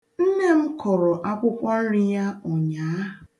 Nne m kụrụ akwụkwọ nri ya ụnyaa.